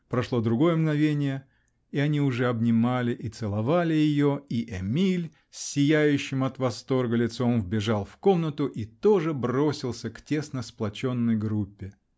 прошло другое мгновенье -- и они уже обнимали и целовали ее, и Эмиль, с сияющим от восторга лицом, вбежал в комнату и тоже бросился к тесно сплоченной группе.